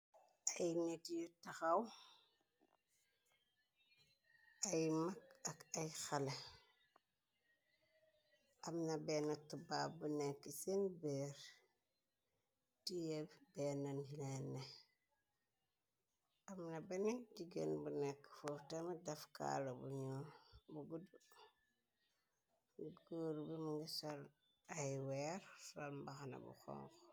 ay nit yu taxaw, ay magg ak ay xale. Amna benn tu ba bu nekk seen beer, tiyeeb bennan yileen ne, amna ben jigéen bu nekk fotema defkaala buño bu gudd. gor bi mu ngi sar ay weer, fral mbaxna bu xonx.